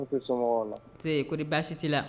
Ko baasi tɛ la